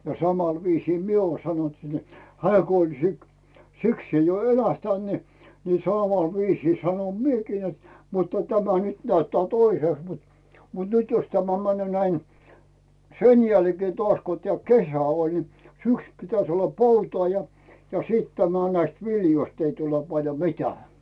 ja samalla viisin minä ole sanonut sitten että hän kun oli - sikseen jo elähtänyt niin niin samalla viisin sanon minäkin että mutta tämä nyt näyttää toisesta mutta mutta nyt jos tämä menee näin sen jälkeen taas kun tämä kesä oli niin syksyn pitäisi olla poutaa ja ja sitten tämä näistä viljoista ei tule paljon mitään